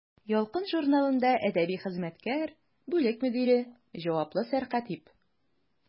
«ялкын» журналында әдәби хезмәткәр, бүлек мөдире, җаваплы сәркәтиб.